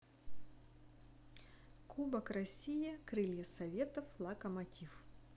кубок россии крылья советов локомотив